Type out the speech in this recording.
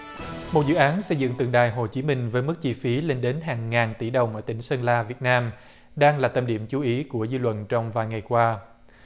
một dự án xây dựng tượng đài hồ chí minh với mức chi phí lên đến hàng ngàn tỷ đồng ở tỉnh sơn la việt nam đang là tâm điểm chú ý của dư luận trong vài ngày qua